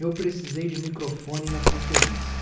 eu precisei de microfone na conferência